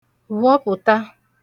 vhọpụta